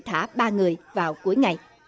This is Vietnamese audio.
thả ba người vào cuối ngày